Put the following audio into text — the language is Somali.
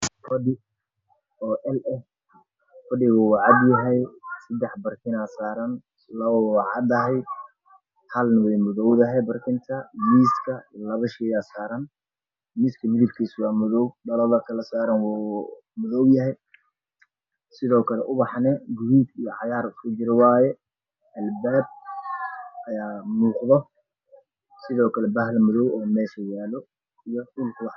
Waa qol waxaa yaalla fadhi cadaan ah